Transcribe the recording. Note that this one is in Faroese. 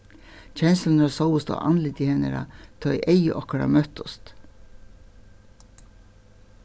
kenslurnar sóust á andliti hennara tá ið eygu okkara møttust